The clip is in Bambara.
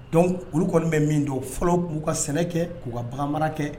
Dɔnku olu kɔni bɛ min don fɔlɔ k'u ka sɛnɛ kɛ k'u ka bagan mara kɛ